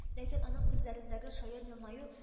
Ләкин аның күзләрендәге шаян елмаю